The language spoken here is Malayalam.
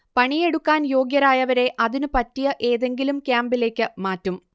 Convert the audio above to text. പണിയെടുക്കാൻ യോഗ്യരായവരെ അതിനുപറ്റിയ ഏതെങ്കിലും ക്യാമ്പിലേക്ക് മാറ്റും